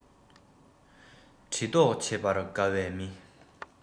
འདྲི རྟོགས བྱེད པར དགའ བའི མི